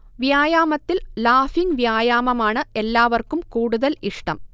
വ്യായാമത്തിൽ ലാഫിങ് വ്യായാമമാണ് എല്ലാവർക്കും കൂടുതൽ ഇഷ്ടം